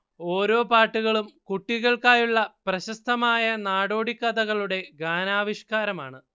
ഓരോ പാട്ടുകളും കുട്ടികൾക്കായുള്ള പ്രശസ്തമായ നാടോടിക്കഥകളുടെ ഗാനാവിഷ്കാരമാണ്